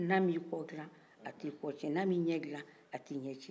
na min kɔ dilan a t'i kɔ ciɲɛn n'a min ɲɛn dilan a t'i ɲɛn ciɲɛn